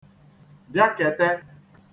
bịakete